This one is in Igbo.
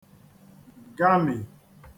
-gamì